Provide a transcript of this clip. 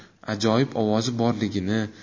ajoyib ovozi borligini